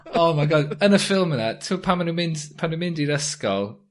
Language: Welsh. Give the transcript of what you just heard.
Oh my God yn y ffilm yna t'mo' pan ma' nw mynd pan nw'n mynd i'r ysgol...